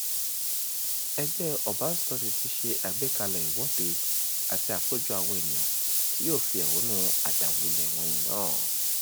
Ẹgbẹ́ Urban Study ti ṣe àgbékalẹ̀ ìwọ́de àti àkójọ àwọn ènìyàn tí yóò fi ẹ̀hónú àdàwólulẹ̀ wọ̀nyí hàn.